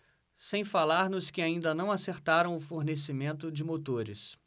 sem falar nos que ainda não acertaram o fornecimento de motores